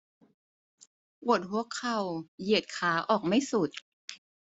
ปวดหัวเข่าเหยียดขาออกไม่สุด